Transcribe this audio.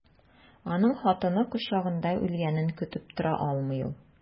Аның хатыны кочагында үлгәнен көтеп тора алмый ул.